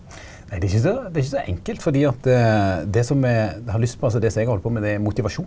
nei det er ikkje så det er ikkje så enkelt fordi at det som me har lyst på altså det som eg held på med det er motivasjon.